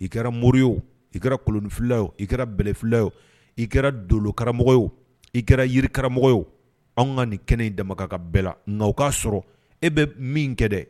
I kɛra mori ye oo i kɛra kolonfio i kɛra bɛlɛfi o i kɛra donkaramɔgɔ ye i kɛra yirikamɔgɔ yeo anw ka nin kɛnɛ in dama ka bɛɛ la nka o k'a sɔrɔ e bɛ min kɛ dɛ